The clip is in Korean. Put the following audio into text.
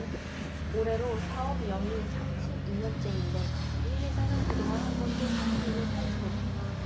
올해로 사업 영위 삼십 이 년째인데 이 회사는 그동안 한 번도 성인으로 살지 못했다